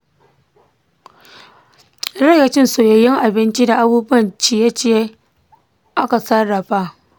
rage cin soyayyun abinci da abubuwan ciye-ciye da aka sarrafa.